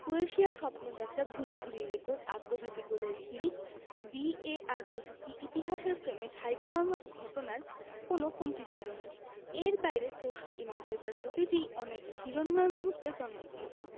ক্রোয়েশিয়ার স্বপ্নযাত্রা ভূরি ভূরি রেকর্ড আত্মঘাতী গোলের হিড়িক ভিএআর প্রযুক্তি ইতিহাসের ফ্রেমে ঠাঁই পাওয়ার মতো ঘটনার কোনো কমতি ছিল না এর বাইরে ৬৪ ম্যাচের প্রায় প্রতিটিই অনেক হিরণ্ময় মুহূর্তের জন্ম দিয়েছে